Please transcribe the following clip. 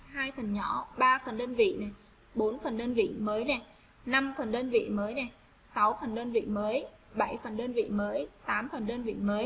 hai thằng nhỏ phần đơn vị phần đơn vị mới phần đơn vị mới phần đơn vị mới phần đơn vị mới ở đơn vị mới